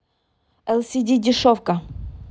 лсд дешевка